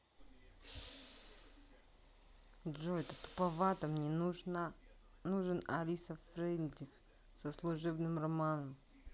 джой это туповато мне нужен алиса френдлих со служебным романом